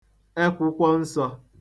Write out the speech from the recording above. Ekwụkwọ Nsọ̄